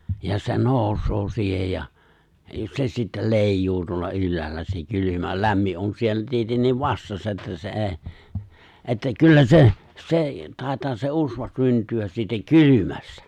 ja se nousee siihen ja ja se sitten leijuu tuolla ylhäällä se kylmä lämmin on siellä tietenkin vastassa että se ei että kyllä se se taitaa se usva syntyä siitä kylmästä